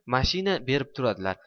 mashina berib turadilar